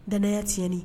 Danɛnɛnanaya tiɲɛɲɛneni